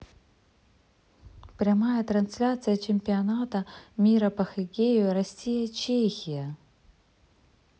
прямая трансляция чемпионата мира по хоккею россия чехия